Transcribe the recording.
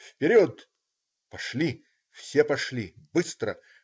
Вперед!" Пошли, все пошли - быстро.